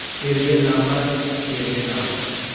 erga navbat sherga navbat